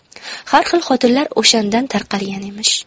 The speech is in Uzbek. har xil xotinlar o'shandan tarqalgan emish